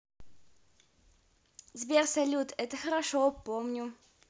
сбер салют это хорошо помню